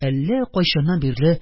Әллә кайчаннан бирле